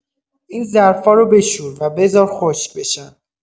این ظرفا رو بشور و بذار خشک بشن